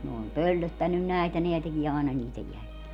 ne on pöllöttänyt näitä nämä tekee aina niiden -